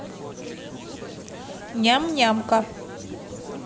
ням нямка